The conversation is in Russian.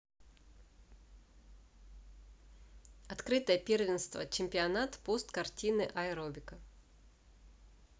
открытое первенство чемпионат пост картины аэробика